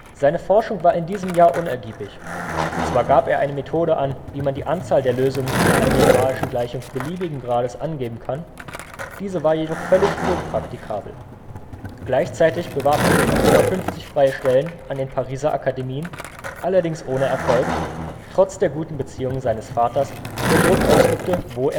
Seine Forschung war in diesem Jahr unergiebig: Zwar gab er eine Methode an, wie man die Anzahl der Lösungen einer algebraischen Gleichung beliebigen Grades angeben kann, diese war jedoch völlig unpraktikabel. Gleichzeitig bewarb er sich auf über 50 freie Stellen an den Pariser Akademien, allerdings ohne Erfolg – trotz der guten Beziehungen seines Vaters, der Druck ausübte, wo